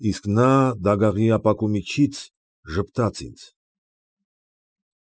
Իսկ նա դագաղի ապակու միջից ժպտաց ինձ։